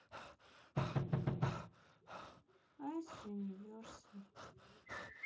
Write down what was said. ice universe